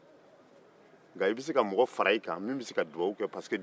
nka i bɛ se ka mɔgɔ fara i kan min bɛ se ka dugawu kɛ